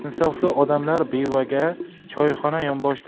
insofli odamlar bevaga choyxona